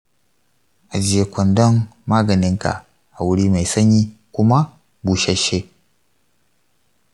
ajiye kwandon maganinka a wuri mai sanyi kuma bushashe.